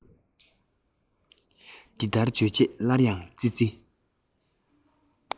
འདི ལྟར བརྗོད རྗེས སླར ཡང ཙི ཙི